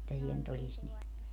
että siellä nyt olisi niin